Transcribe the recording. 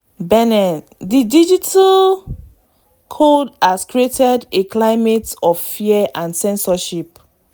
#Bénin The digital code has created a climate of fear and censorship.